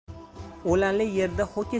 o'lanli yerda ho'kiz